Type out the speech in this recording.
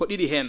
ko ?i?i heen